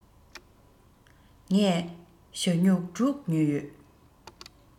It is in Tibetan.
ངས ཞྭ སྨྱུག དྲུག ཉོས ཡོད